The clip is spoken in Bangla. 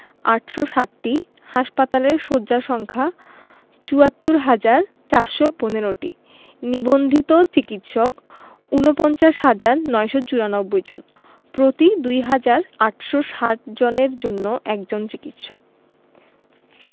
৮৬০টি হাসপাতালের শয্যা সংখ্যা ৭৪হাজার ৪১৫টি নিবন্ধিত চিকিৎসক ৪৯হাজার ৯৯৪ জন প্রতি ২হাজার ৮৬০ জনের জন্য একজন চিকিৎসক